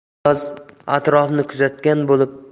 niyoz atrofni kuzatgan